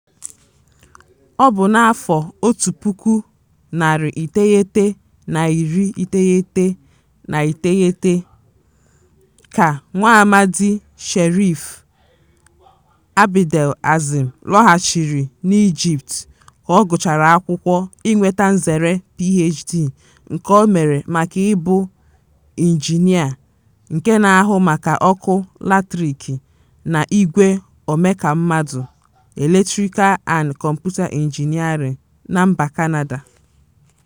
Ọ bụ n'afọ otu puku, narị iteghete na iri iteghete na iteghete (1999) ka nwaamadi Sherif Abdel-Azim lọghachiri n'Ijipt ka ọ gụchara akwụkwọ inweta nzere Ph.D nke o mere maka ị bụ Injinịa nke na-ahụ maka ọkụ latrik na igwe omekammadụ (Electrical and Computer Engineering) na mba Canada.